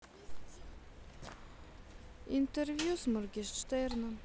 интервью с моргенштерном